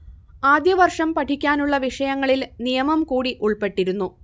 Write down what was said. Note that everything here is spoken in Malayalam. ആദ്യവർഷം പഠിക്കാനുള്ള വിഷയങ്ങളിൽ നിയമം കൂടി ഉൾപ്പെട്ടിരുന്നു